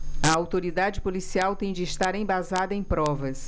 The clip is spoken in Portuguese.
a autoridade policial tem de estar embasada em provas